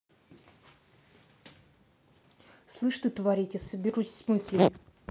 слышь ты тварь я тебе соберусь с мыслями